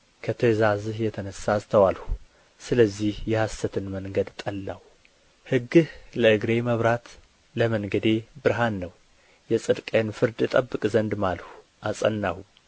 ከትእዛዝህ የተነሣ አስተዋልሁ ስለዚህ የሐሰትን መንገድ ጠላሁ ሕግህ ለእግሬ መብራት ለመንገዴ ብርሃን ነው የጽድቅህን ፍርድ እጠብቅ ዘንድ ማልሁ አጸናሁም